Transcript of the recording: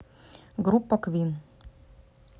группа queen